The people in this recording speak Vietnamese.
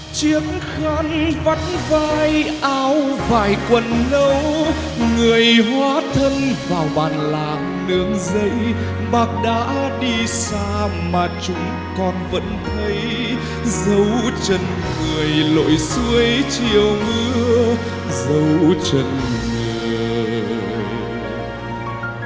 chiếc khăn vắt vai áo vải quần nâu người hóa thân vào bản làng nương rẫy bác đã đi xa mà chúng con vẫn thấy dấu chân người lội suối chiều mưa dấu chân người lội